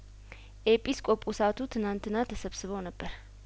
ኤጲስቆጶስቱ ትላንትና ተሰብስበው ነበር